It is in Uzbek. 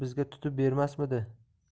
bizga tutib bermasmidi